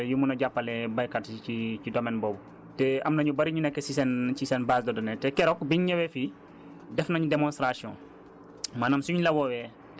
donc yooyu yépp ay xibaar yu ñuy joxe la yuñ mun a jàppalee baykat yi ci ci domaine boobu te am nañ ñu bëri ñu nekk ci seen ci seen base de données te keroog biñ ñëwee fii def nañ démonstartion